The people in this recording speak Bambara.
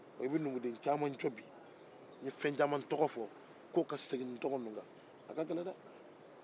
ɔ i bɛ numu den caman jɔ bi n'ye fɛn caman tɔgɔ fɔ k'u ka segin ni tɔgɔ ninnu kan a ka gɛlɛn dɛ